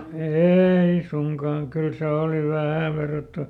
ei suinkaan kyllä se oli vähän -